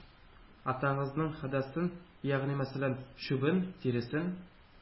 Атыгызның хәдәсен, ягъни мәсәлән, чүбен, тиресен.